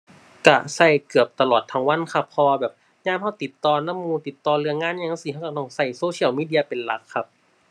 ก็ก็เกือบตลอดทั้งวันครับ เพราะว่าแบบยามก็ติดต่อนำหมู่ ติดต่อเรื่องงานอิหยังจั่งซี้ ก็ก็ต้องก็ social media เป็นหลักครับ